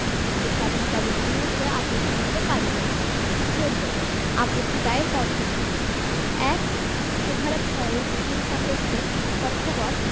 উক্ত সালিসকারীর বিরুদ্ধে আপত্তি দিতে পারিবেন ১৪ আপত্তি দায়ের পদ্ধতিঃ ১ উপ ধারা ৬ এর বিধান সাপেক্ষে পক্ষগণ